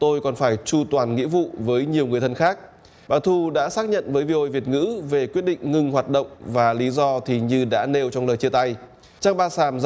tôi còn phải chu toàn nghĩa vụ với nhiều người thân khác bà thu đã xác nhận với vi ô ây việt ngữ về quyết định ngừng hoạt động và lý do thì như đã nêu trong lời chia tay trang ba xàm